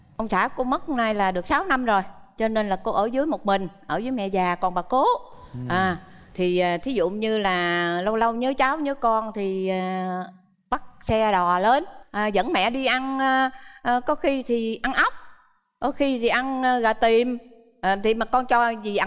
ông xã cô mất này là được sáu năm rồi cho nên là cô ở dưới một mình ở với mẹ già còn bà cố à thì thí dụ như là lâu lâu nhớ cháu nhớ con thì bắt xe đò lớn dẫn mẹ đi ăn ở có khi thì ăn ốc ở khi đi ăn gà tiền đi mà con cho gì